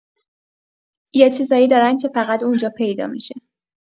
یه چیزایی دارن که فقط اونجا پیدا می‌شه.